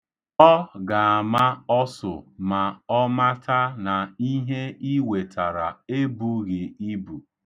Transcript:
Ọ ga-ama ọsụ ma ọ mata na ihe i wetara ebughị ibu.